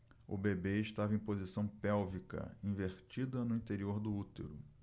o bebê estava em posição pélvica invertida no interior do útero